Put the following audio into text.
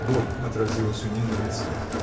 Боль отразилась у ней на лице.